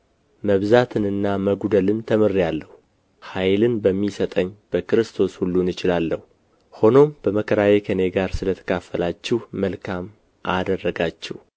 መብዛትንና መጉደልን ተምሬአለሁ ኃይልን በሚሰጠኝ በክርስቶስ ሁሉን እችላለሁ ሆኖም በመከራዬ ከእኔ ጋር ስለ ተካፈላችሁ መልካም አደረጋችሁ